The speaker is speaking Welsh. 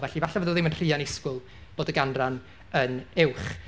Felly, falle fod o ddim yn rhy annisgwyl bod y ganran yn uwch.